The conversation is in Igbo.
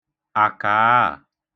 àkàaà